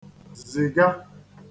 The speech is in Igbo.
-zìga